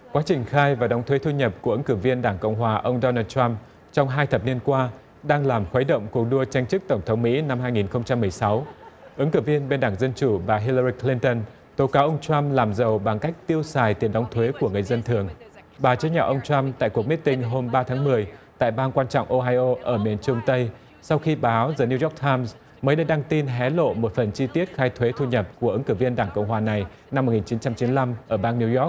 quá trình khai và đóng thuế thu nhập của ứng cử viên đảng cộng hòa ông đo nồ trăm trong hai thập niên qua đang làm khuấy động cuộc đua tranh chức tổng thống mỹ năm hai nghìn không trăm mười sáu ứng cử viên bên đảng dân chủ bà hiu la cờ lin tơn tố cáo ông trăm làm giàu bằng cách tiêu xài tiền đóng thuế của người dân thường bà chế nhạo ông trăm tại cuộc mít tinh hôm ba tháng mười tại bang quan trọng ô hai ô ở miền trung tây sau khi báo dờ niu dóc tham mới đây đăng tin hé lộ một phần chi tiết khai thuế thu nhập của ứng cử viên đảng cộng hòa này năm một nghìn chín trăm chín lăm ở bang niu dóc